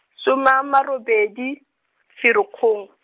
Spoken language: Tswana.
soma ama robedi, Ferikgong.